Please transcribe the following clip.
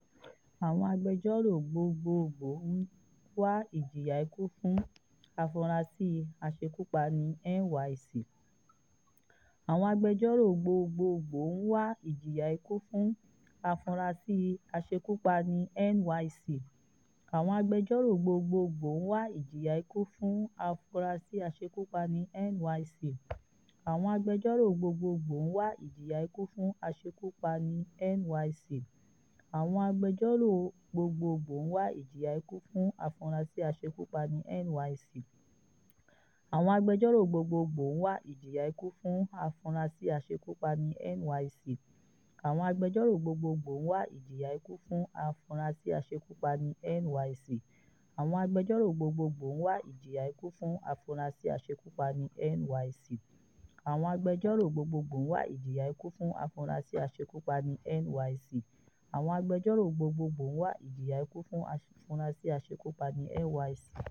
Àwọn agbẹjọ́rò gbogboogbo ń wá ìjìyà ikú fún afurasí aṣekúpani NYC.